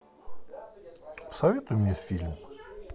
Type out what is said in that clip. посоветуй мне фильм